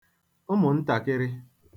ụmụ̀ntàkịrị